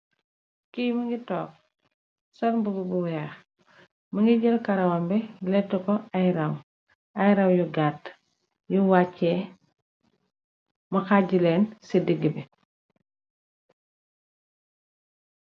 Kii mungy tok sol mbubu bu wekh, mungy jel karawam bii lehtah kor aiiy raww, aiiy raww yu gatue yum waache mu haaji len cii digi bii.